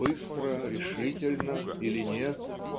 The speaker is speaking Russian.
Быстро, решительно или нет?